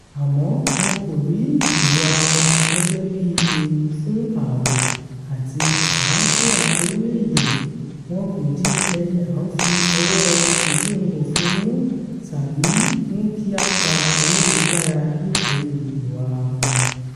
Àmọ́ wọn kò rí ìwàa wọn gẹ́gẹ́ bíi ewu fún ààbò àti àlàáfíà orílẹ̀-èdè; wọn kò di ẹni à ń fi ọwọ́ọ ṣìgún òfin mú tàbí mú kí a pa ayélujára nítorí ìwàa wọn.